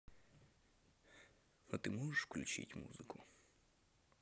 а ты можешь включить музыку